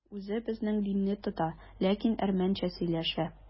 Үзе безнең динне тота, ләкин әрмәнчә сөйләшә.